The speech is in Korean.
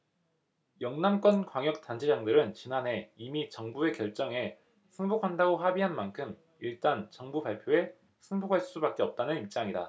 영남권 광역단체장들은 지난해 이미 정부의 결정에 승복한다고 합의한 만큼 일단 정부 발표에 승복할 수밖에 없다는 입장이다